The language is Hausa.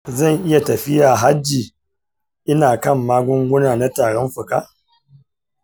zan iya tafiya hajji ina kan magunguna na tarin fuka?